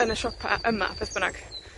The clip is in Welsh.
yn y siopa' yma beth bynnag.